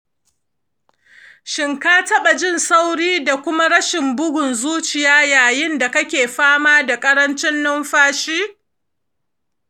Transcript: shin ka taɓa jin sauri da kuma rashin bugun zuciya yayin da kake fama da ƙarancin numfashi?